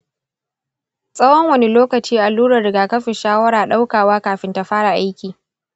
tsawon wani lokaci allurar rigakafin shawara ɗaukawa kafin ta fara aiki?